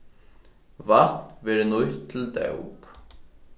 vatn verður nýtt til dóp